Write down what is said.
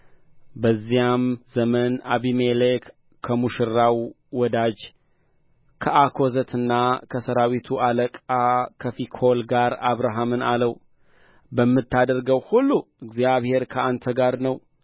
በዚያም ዘመን አቢሜሌክ ከሙሽራው ወዳጅ ከአኮዘትና ከሠራዊቱ አለቃ ከፊኮል ጋር አብርሃምን አለው በምታደርገው ሁሉ እግዚአብሔር ከአንተ ጋር ነው